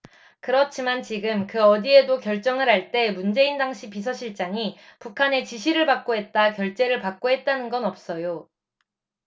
그렇지만 지금 그 어디에도 결정을 할 때 문재인 당시 비서실장이 북한의 지시를 받고 했다 결재를 받고 했다는 건 없어요